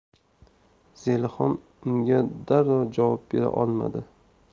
zelixon unga darrov javob bera olmadi